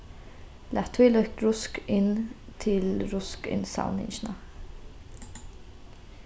lat tílíkt rusk inn til ruskinnsavningina